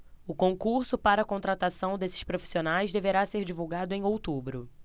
o concurso para contratação desses profissionais deverá ser divulgado em outubro